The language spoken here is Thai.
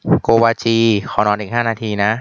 โกวาจีอนอนอีกห้านาทีนะ